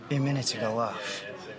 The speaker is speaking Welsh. Un munud ti ga'l laff.